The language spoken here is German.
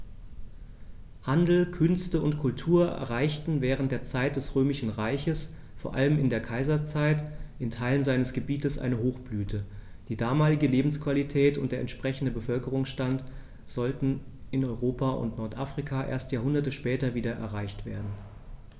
Handel, Künste und Kultur erreichten während der Zeit des Römischen Reiches, vor allem in der Kaiserzeit, in Teilen seines Gebietes eine Hochblüte, die damalige Lebensqualität und der entsprechende Bevölkerungsstand sollten in Europa und Nordafrika erst Jahrhunderte später wieder erreicht werden.